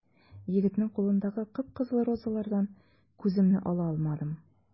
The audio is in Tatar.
Егетнең кулындагы кып-кызыл розалардан күземне ала алмадым.